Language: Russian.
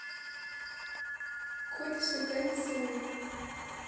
кот все танцует